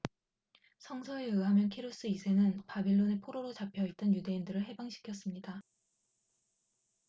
성서에 의하면 키루스 이 세는 바빌론에 포로로 잡혀 있던 유대인들을 해방시켰습니다